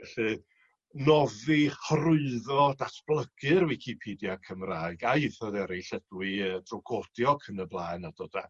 Felly noddi horwyddo datblygu'r wicipedia Cymra'g a ieithoedd erill ydw i y trw codio ac yn y blaen a dod â